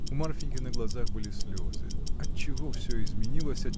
У Марфиньки на глазах были слезы. Отчего всё изменилось?